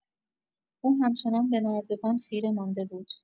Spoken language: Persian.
او همچنان به نردبان خیره مانده بود.